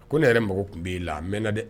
Ko ne yɛrɛ mago tun b bɛ' la a n mɛn na dɛ